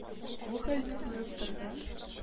Бу хәлне күреп торган,